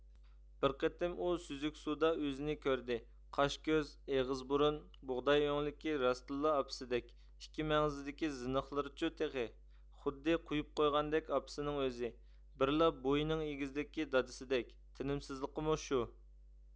بىر قېتىم ئۇ سۈزۈك سۇدا ئۆزىنى كۆردى قاش كۆز ئېغىز بۇرۇن بۇغداي ئۆڭلۈكى راستتىنلا ئاپىسىدەك ئىككى مەڭزىدىكى زىنىخلىرىچۇ تېخى خۇددى قۇيۇپ قويغاندەك ئاپىسىنىڭ ئۆزى بىرلا بويىنىڭ ئېگىزلىكى دادىسىدەك تىنىمسىزلىقىمۇ شۇ